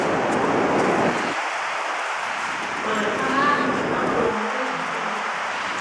เปิดผ้าม่านรับลมให้ฉันที